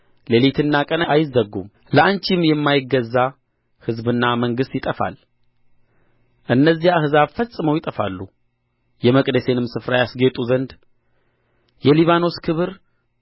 ሌሊትና ቀን አይዘጉም ለአንቺም የማይገዛ ሕዝብና መንግሥት ይጠፋል እነዚያ አሕዛብም ፈጽመው ይጠፋሉ የመቅደሴንም ስፍራ ያስጌጡ ዘንድ የሊባኖስ ክብር